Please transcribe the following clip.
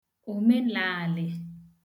òmelaalị̀